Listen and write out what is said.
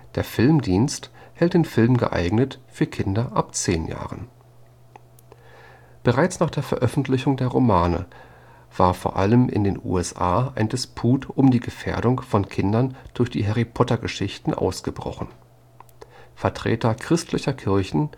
Der film-dienst hält den Film für geeignet für Kinder ab zehn Jahren. Bereits nach der Veröffentlichung der Romane war vor allem in den USA ein Disput um die Gefährdung von Kindern durch die Harry-Potter-Geschichten ausgebrochen. Vertreter christlicher Kirchen